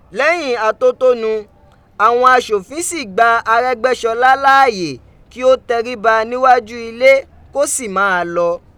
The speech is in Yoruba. Lẹyin atotonu awọn aṣofin si gba Aregbesola laaye ki o tẹriba niwaju ile ko si maa lọ.